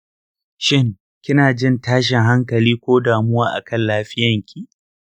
shin kinajin tashin hankali ko damuwa akan lafiyanki?